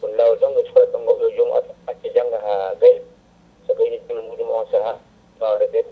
billay jande sukaɓe yo jomum acce goppe jangga ha gayna so gayni * muɗum on saaha wawa resede